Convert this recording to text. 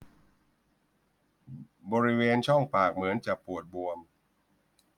บริเวณช่องปากเหมือนจะปวดบวม